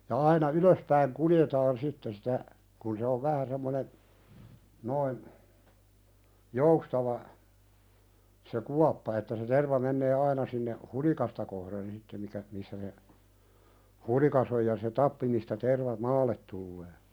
ja aina ylöspäin kuljetaan sitten sitä kun se on vähän semmoinen noin joustava se kuoppa että se terva menee aina sinne hulikasta kohden sitten mikä missä se hulikka on ja se tappi mistä terva maalle tulee